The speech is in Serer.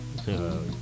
wawaw